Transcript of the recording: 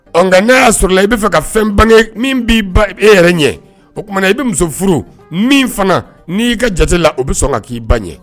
Ɔ nka n'a y'a sɔrɔ la i b'a fɛ ka fɛn bange min b'i ba e yɛrɛ ɲɛ , o tumana i bɛ muso furu min fana b'i ka jate la n bɛ sɔn ka k'i ba ɲɛn.